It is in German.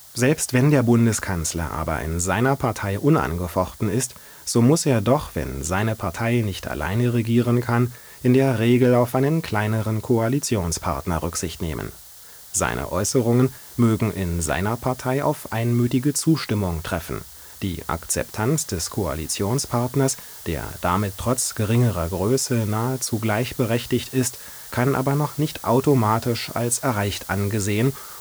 Selbst wenn der Bundeskanzler aber in seiner Partei unangefochten ist, so muss er doch – wenn seine Partei nicht allein regieren kann – in der Regel auf einen kleineren Koalitionspartner Rücksicht nehmen. Seine Äußerungen mögen in seiner Partei auf einmütige Zustimmung treffen, die Akzeptanz des Koalitionspartners, der damit trotz geringerer Größe nahezu gleichberechtigt ist, kann aber noch nicht automatisch als erreicht angesehen